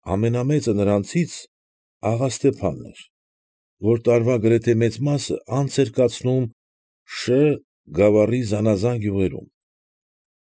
Ամենամեծը նրանցից աղա Ստեփանն էր, որ տարվա գրեթե մեծ մասը անց էր կացնում Շ… գավառի զանաղան գյուղերում։